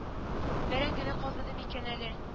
Бәрәңгене казыды микән әле